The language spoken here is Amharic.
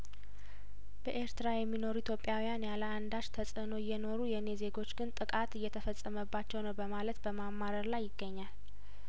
በኤርትራ የሚኖሩ ኢትዮጵያውያን ያለአንዳች ተጽእኖ እየኖሩ የኔ ዜጐች ግን ጥቃት እየተፈጸመባቸው ነው በማለት በማማረር ላይ ይገኛል